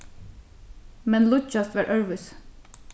men líggjas var øðrvísi